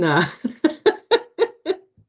Na .